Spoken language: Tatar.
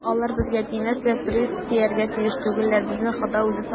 - алар безгә тимәсләр, приск, тияргә тиеш түгелләр, безне хода үзе саклар.